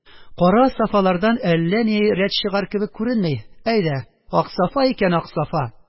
– кара сафалардан да әллә ни рәт чыгар кебек күренми. әйдә, аксафа икән аксафа.